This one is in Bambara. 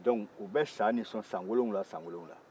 dɔnku u bɛ nin son san wolonwula san wolonwula